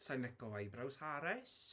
Sa i'n lico eyebrows Harris...